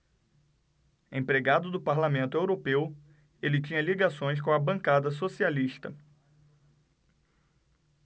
empregado do parlamento europeu ele tinha ligações com a bancada socialista